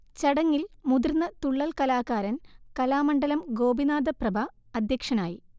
ചടങ്ങിൽ മുതിർന്ന തുള്ളൽ കലാകാരൻ കലാമണ്ഡലം ഗോപിനാഥപ്രഭ അധ്യക്ഷനായി